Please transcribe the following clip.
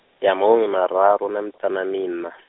ya mahumimararu na miṱanu na miṋa.